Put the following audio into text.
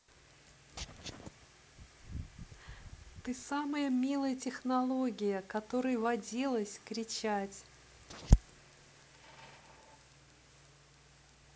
ты самая милая технология которая водилась кричать